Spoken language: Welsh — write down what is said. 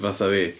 Fa- fatha fi.